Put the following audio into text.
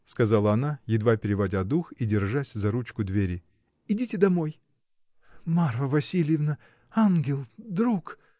— сказала она, едва переводя дух и держась за ручку двери. — Идите домой! — Марфа Васильевна! ангел, друг.